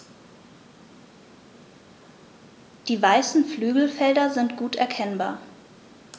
Die weißen Flügelfelder sind gut erkennbar.